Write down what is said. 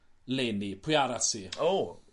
leni. Pwy arall sy? O!